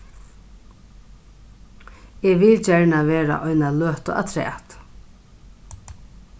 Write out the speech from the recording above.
eg vil gjarna vera eina løtu aftrat